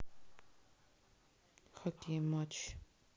хоккей матч